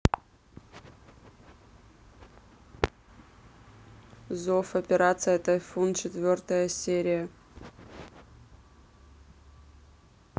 зов операция тайфун четвертая серия